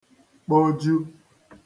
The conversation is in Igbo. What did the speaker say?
kpoju